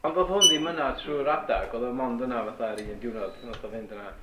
Ond o'dd hwn ddim yna trw'r adag, o'dd o mond yna fatha'r un diwrnod wnath o fynd yna.